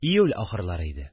Июль ахырлары иде